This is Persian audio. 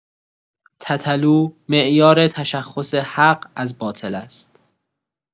تتلو معیار تشخص حق از باطل است!